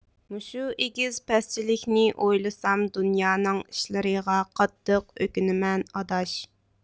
مۇشۇ ئېگىز پەسچىلىكنى ئويلىسام دۇنيانىڭ ئىشلىرىغا قاتتىق ئۆكۈنىمەن ئاداش